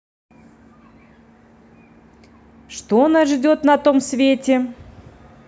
что нас ждет на том свете